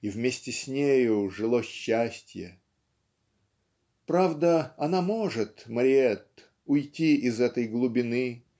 и вместе с нею жило счастье. Правда она может Мариэтт уйти из этой глубины